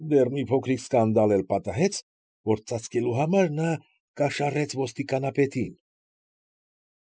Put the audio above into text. Դեռ մի փոքրիկ սկանդալ էլ պատահեց, որը ծածկելու համար նա կաշառեց ոստիկանապետին։